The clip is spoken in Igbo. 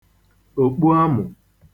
òkpuamụ̀